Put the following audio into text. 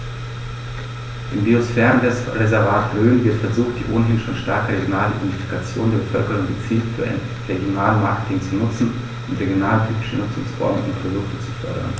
Im Biosphärenreservat Rhön wird versucht, die ohnehin schon starke regionale Identifikation der Bevölkerung gezielt für ein Regionalmarketing zu nutzen und regionaltypische Nutzungsformen und Produkte zu fördern.